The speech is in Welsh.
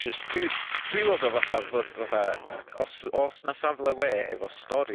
Jyst dwi, dwi weld o fatha fod fatha, yy os o's 'na safle we efo stori